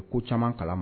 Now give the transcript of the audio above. Ko caman kala ma